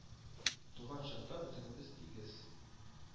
Туган чакта бөтенебез тигез